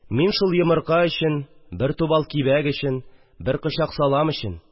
Мин шул йомырка өчен, бер тубал кибәк өчен, бер кочак салам өчен